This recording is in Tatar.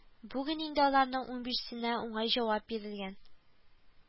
Бүген инде аларның унбиш сенә уңай җавап бирелгән